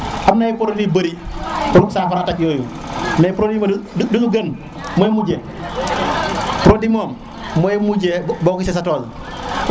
amna ay produit yu bëri pour safara attaque yoyu mais produit duñu gën mooy moje produit moom muje book sisa tol